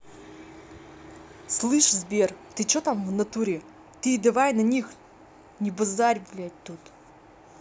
слышь сбер ты че там в натуре ты и давай на них не базарь блядь тут